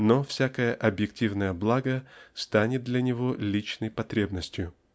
но всякое объективное благо станет для него личной потребностью.